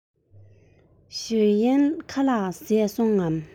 ཞའོ གཡན ཁ ལག བཟས སོང ངས